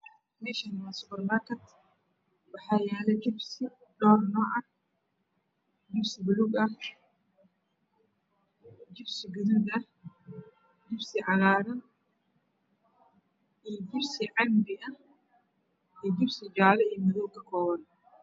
Meesha waa subermasrkeed waxa yaallo jibsi dhoor nooca ah jibsi ballug ah iyo jibsi gaduud gibji caggarran iyo jibsi cambe ah jibsi joollo iyo maddow ka kooban